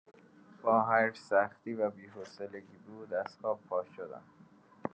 با هر سختی و بی‌حوصلگی بود از خواب پاشدم.